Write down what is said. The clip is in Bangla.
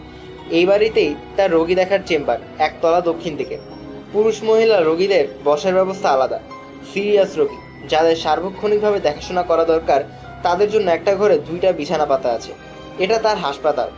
এই বাড়িতেই একতলা দক্ষিণ দিকে তাঁর রােগী দেখার চেম্বার পুরুষ ও মহিলা রােগীদের বসার ব্যবস্থা আলাদা সিরিয়াস রােগী যাদের সার্বক্ষণিকভাবে দেখাশােনা করা দরকার তাদের জন্য একটা ঘরে দুইটা বিছানা পাতা আছে এটা তার হাসপাতাল